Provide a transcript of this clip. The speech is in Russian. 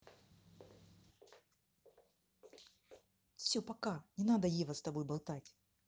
все пока не надо ева с тобой болтать